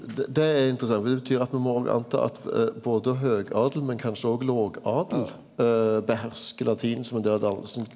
d det er interessant for det betyr at ein må og anta at både høgadel men kanskje òg lågadel beherskar latin som ein del av danninga.